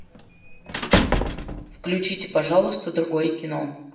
включите пожалуйста другое кино